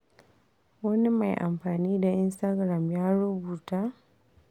Wani mai amfani da instagram ya rubuta: